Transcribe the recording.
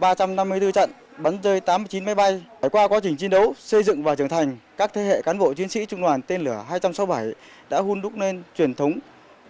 ba trăm năm mươi tư trận bắn rơi tám chín máy bay trải qua quá trình chiến đấu xây dựng và trưởng thành các thế hệ cán bộ chiến sĩ trung đoàn tên lửa hai trăm sáu bảy đã hun đúc nên truyền thống